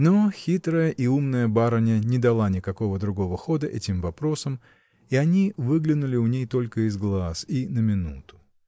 Но хитрая и умная барыня не дала никакого другого хода этим вопросам, и они выглянули у ней только из глаз, и на минуту.